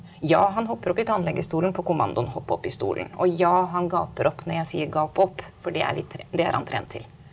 ja han hopper opp i tannlegestolen på kommandoen hopp opp i stolen, og ja han gaper opp når jeg sier gap opp for det er vi det er han trent til.